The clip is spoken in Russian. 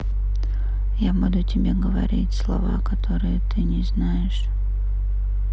я буду тебе говорить слова которые ты не знаешь